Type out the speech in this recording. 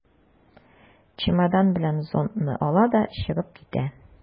Чемодан белән зонтны ала да чыгып китә.